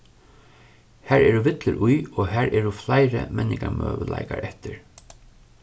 har eru villur í og har eru fleiri menningarmøguleikar eftir